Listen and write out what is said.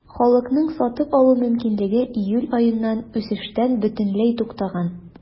Халыкның сатып алу мөмкинлеге июль аеннан үсештән бөтенләй туктаган.